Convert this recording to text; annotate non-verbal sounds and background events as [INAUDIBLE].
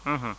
[HESITATION] [HESITATION]